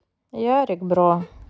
ярик бро